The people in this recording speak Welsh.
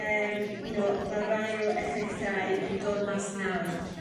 eem you know mae rai o effeithiau yn dod mas nawr